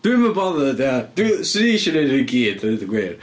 Dwi'm yn bothered, ia. Dwi... 'swn i isio wneud nhw i gyd a deud y gwir.